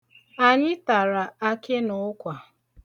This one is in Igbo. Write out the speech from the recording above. Anyị tara akị na ụkwa.